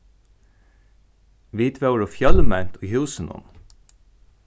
vit vóru fjølment í húsinum